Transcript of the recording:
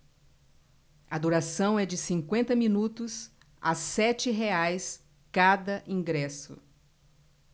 a duração é de cinquenta minutos a sete reais cada ingresso